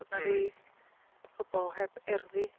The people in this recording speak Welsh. Bod na rhai... Hmm. ...pobl heb erddi.